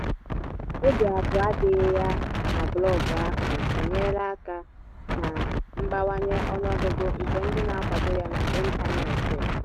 Obi abụọ adịghị ya na blọọgụ ahụ enyeela aka na mbawanye ọnụgụgụ nke ndị na-akwado ya n'ịntanetị.